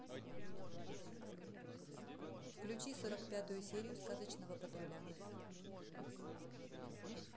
включи сорок пятую серию сказочного патруля